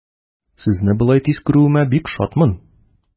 Сезне болай тиз күрүемә бик шатмын.